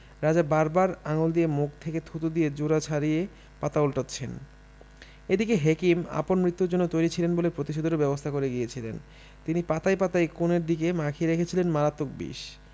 রাজা বার বার আঙুল দিয়ে মুখ থেকে থুথু দিয়ে জোড়া ছাড়িয়ে পাতা উল্টোচ্ছেন এদিকে হেকিম আপন মৃত্যুর জন্য তৈরি ছিলেন বলে প্রতিশোধের ব্যবস্থাও করে গিয়েছিলেন তিনি পাতায় পাতায় কোণের দিকে মাখিয়ে রেখেছিলেন মারাত্মক বিষ